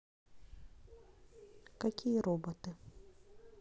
какие роботы